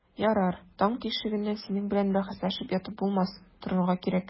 Ярар, таң тишегеннән синең белән бәхәсләшеп ятып булмас, торырга кирәк.